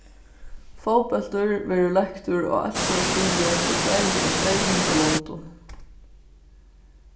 fótbóltur verður leiktur á altjóða stigi í fleiri enn tvey hundrað londum